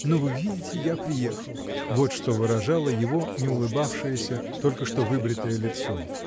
но вы видите, я приехал" -- вот что выражало его неулыбавшееся, только что выбритое лицо.